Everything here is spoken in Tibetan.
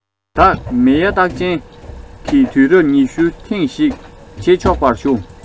བདག མེལ ཡའི རྟགས ཅན གྱི དུས རབས ཉི ཤུའི ཐེངས ཤིག བྱེད ཆོག པར ཞུ